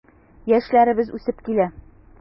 Яшьләребез үсеп килә.